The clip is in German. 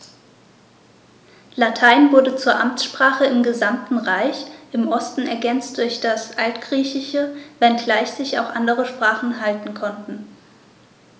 Latein wurde zur Amtssprache im gesamten Reich (im Osten ergänzt durch das Altgriechische), wenngleich sich auch andere Sprachen halten konnten.